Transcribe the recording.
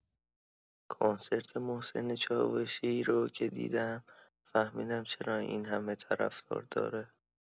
کنسرت محسن چاوشی رو که دیدم فهمیدم چرا این‌همه طرفدار داره.